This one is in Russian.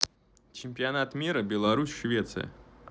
чемпионат мира беларусь швеция